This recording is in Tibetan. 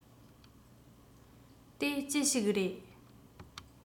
དེ ཅི ཞིག རེད